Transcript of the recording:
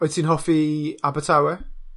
wyt ti'n hoffi Abertawe?